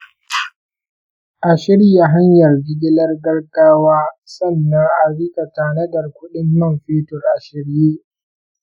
a shirya hanyar jigilar gaggawa, sannan a riƙa tanadar kuɗin man fetur a shirye.